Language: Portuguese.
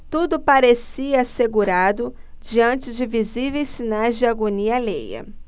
tudo parecia assegurado diante de visíveis sinais de agonia alheia